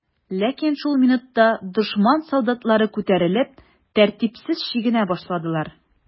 Ләкин шул минутта дошман солдатлары күтәрелеп, тәртипсез чигенә башладылар.